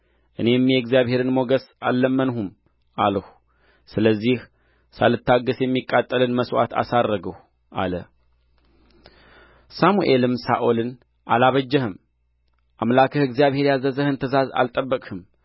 እኔም የእግዚአብሔርን ሞገስ አልለመንሁም አልሁ ስለዚህም ሳልታገሥ የሚቃጠልን መሥዋዕት አሳረግሁ አለ ሳሙኤልም ሳኦልን አላበጀህም አምላክህ እግዚአብሔር ያዘዘህን ትእዛዝ አልጠበቅህም